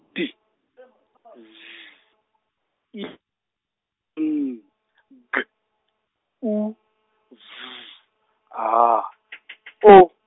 D, Z, I, N, G, U, V, H , O.